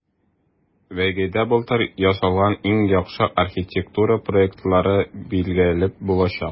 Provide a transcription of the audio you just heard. Бәйгедә былтыр ясалган иң яхшы архитектура проектлары билгеле булачак.